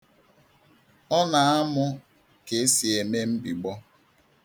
Ọ na-amụ ka e si eme mbigbọ.